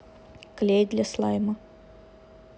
клей для слайма